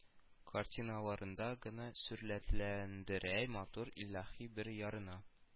Картиналарында гына сурәтләнердәй матур, илаһи бер ярына